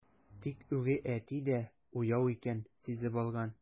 Тик үги әти дә уяу икән, сизеп алган.